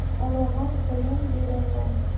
olag'on qo'lim berag'on